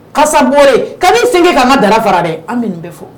Kasa bɔlen ka sen ka ka dara fara dɛ an minnu bɛ fɔ